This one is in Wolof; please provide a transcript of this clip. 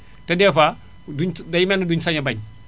te des fois duñu ci day mel ne duñu sañ a bañ